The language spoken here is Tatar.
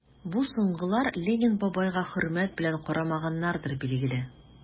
Бу соңгылар Ленин бабайга хөрмәт белән карамаганнардыр, билгеле...